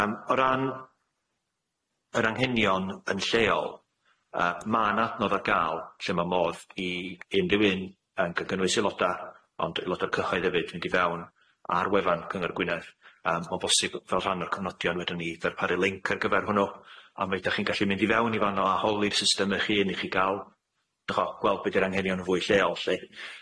Yym o ran yr anghenion yn lleol yy ma'n adnodd ar ga'l lle ma' modd i unrhyw un yy gan gynnwys euloda ond euloda'r cyhoedd efyd mynd i fewn ar wefan cyngor Gwynedd yym ma'n bosib fel rhan o'r cyfnodion fedron ni ddarparu linc ar gyfer hwnnw a mi ydach chi'n gallu mynd i fewn i fan'no a holi'r system eich hun i chi ga'l dy 'cho gweld be' di'r anghenion yn fwy lleol lly.